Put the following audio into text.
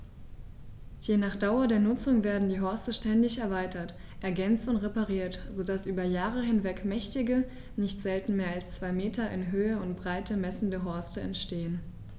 Je nach Dauer der Nutzung werden die Horste ständig erweitert, ergänzt und repariert, so dass über Jahre hinweg mächtige, nicht selten mehr als zwei Meter in Höhe und Breite messende Horste entstehen.